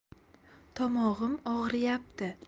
tomog'im og'riyapti